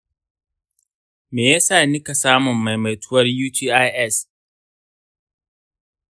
me yasa nika samun maimaituwar utis?